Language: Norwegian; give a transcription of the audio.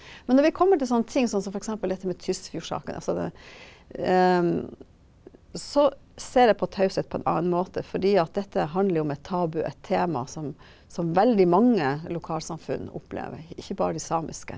men når vi kommer til sånn ting sånn som f.eks. dette med Tysfjordsaken, altså den så ser jeg på taushet på en annen måte fordi at dette handler jo om et tabu, et tema som som veldig mange lokalsamfunn opplever, ikke bare de samiske.